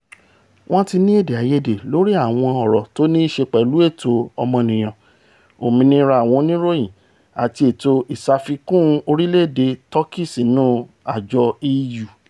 Wọn tí ni èdè-àìyede lórí àwọn ọ̀rọ̀ tó nííṣe pẹ̀lú ẹ̀tọ̀ ọmọniyàn, òmìnira àwọn oníròyìn àti ètò ìṣàfikún orílẹ̀-èdè Tọki sínú àjọ EU.